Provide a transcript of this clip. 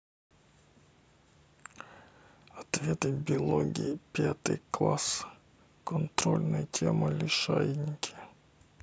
ответы биология пятый класс контрольная тема лишайники